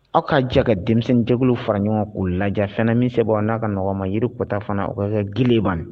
Aw kaa jɛ ka denmisɛnninjɛkulu fara ɲɔgɔn k' lajɛ fɛn minsɛ bɔ n'a ka nɔgɔ ma yiri kɔta fana o geleban